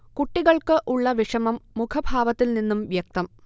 കുട്ടികൾക്ക് ഉള്ള വിഷമം മുഖഭാവത്തിൽ നിന്നും വ്യക്തം